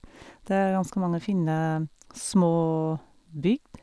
Det er ganske mange fine små bygd.